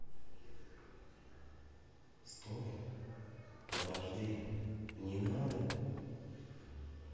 стой подожди не надо